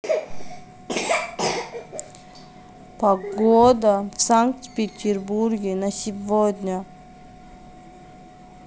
погода в санкт петербурге на сегодня